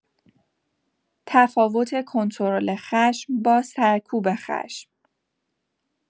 تفاوت کنترل خشم با سرکوب خشم